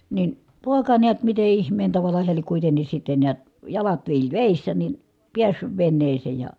niin poika näet miten ihmeen tavalla hän lie kuitenkin sitten näet jalat viilsi vedessä niin päässyt veneeseen ja